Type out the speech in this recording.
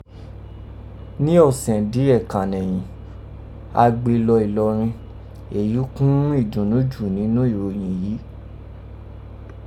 Ní ọ̀sẹ̀n díyẹ̀ kan nẹ̀yìn, a gbé e lọ l̀Iọrin, èyí kọ́n ghún ìdùnnọ́ jù nínọ́ ìròyẹ̀n yìí.